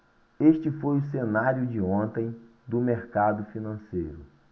este foi o cenário de ontem do mercado financeiro